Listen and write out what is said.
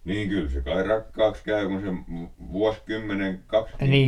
niin kyllä se kai rakkaaksi käy kun se -- vuosikymmenen kaksikin